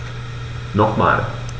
Nochmal.